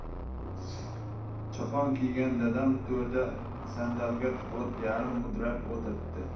chopon kiygan dadam to'rda sandalga tiqilib yarim mudrab o'tiribdi